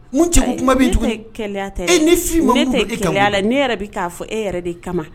Kuma tɛ e gɛlɛya la ne yɛrɛ bɛ k' fɔ e yɛrɛ de kama